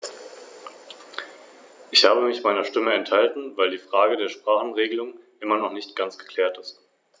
Daher danke ich Ihnen, nun ein paar Worte dazu sagen zu können.